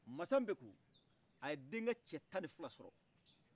masa mbeku a ye denkɛ cɛ tannifila sɔrɔ